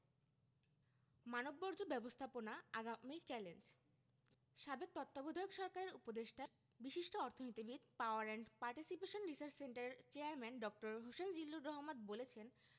মানববর্জ্য ব্যবস্থাপনা আগামীর চ্যালেঞ্জ সাবেক তত্ত্বাবধায়ক সরকারের উপদেষ্টা বিশিষ্ট অর্থনীতিবিদ পাওয়ার অ্যান্ড পার্টিসিপেশন রিসার্চ সেন্টারের চেয়ারম্যান ড হোসেন জিল্লুর রহমান বলেছেন